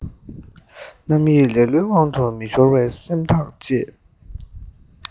རྣམ གཡེང ལེ ལོའི དབང དུ མི ཤོར བའི སེམས ཐག བཅད